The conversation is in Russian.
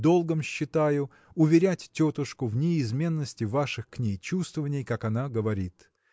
долгом считаю уверять тетушку в неизменности ваших к ней чувствований как она говорит.